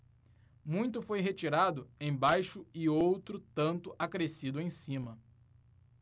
muito foi retirado embaixo e outro tanto acrescido em cima